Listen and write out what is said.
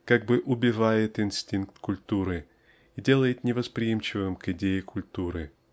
как бы убивает инстинкт культуры и делает невосприимчивым к идее культуры